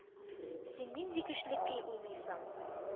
Син нинди көчле көй уйныйсың,